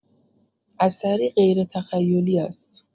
اثری غیرتخیلی است.